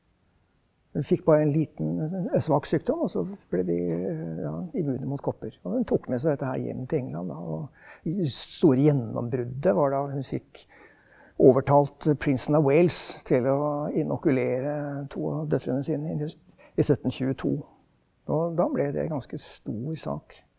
hun fikk bare en liten, svak sykdom også ble de ja immune mot kopper, og hun tok med seg dette her hjem til England da, og store gjennombruddet var da hun fikk overtalt prinsen av Wales til å inokulere to av døtrene sine inne i 1722 og da ble det ganske stor sak.